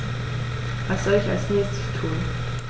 Was soll ich als Nächstes tun?